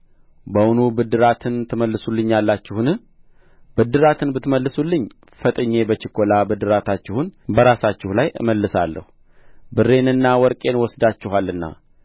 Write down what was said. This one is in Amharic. በውኑ ብድራትን ትመልሱልኛላችሁን ብድራትን ብትመልሱልኝ ፈጥኜ በችኰላ ብድራታችሁን በራሳችሁ ላይ እመልሳለሁ ብሬንና ወርቄን ወስዳችኋልና